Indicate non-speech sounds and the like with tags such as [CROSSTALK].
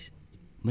[HESITATION] [HESITATION]